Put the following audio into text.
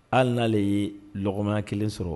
Hali n'ale ye maya kelen sɔrɔ